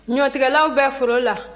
ɲɔtigɛlaw bɛ foro la